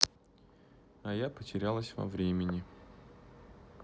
а я потерялась во времени